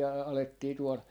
- alettiin tuolla